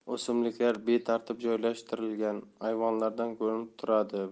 o'simliklar betartib joylashtirilgan ayvonlardan ko'rinib turadi